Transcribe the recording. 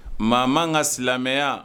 Maa man ka silamɛya